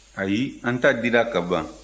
ayi an ta dira kaban